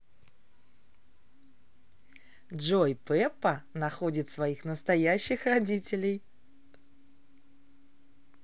джой пеппа находит своих настоящих родителей